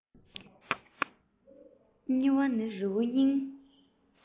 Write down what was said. སྙི བ ནི རི བོའི སྙིང